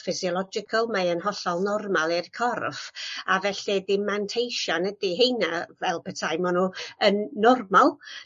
physiological mae e'n hollol normal i'r corff a felly dim manteision ydi 'heina fel petai ma' n'w yn normal.